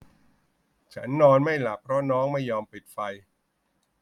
ฉันนอนไม่หลับเพราะน้องไม่ยอมปิดไฟ